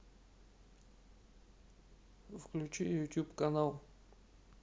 включи ютуб канал